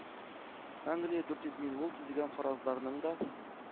Англия – дүрт йөз меңул төзегән фаразларның да